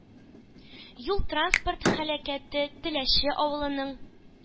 Юлтранспорт һәлакәте теләче авылының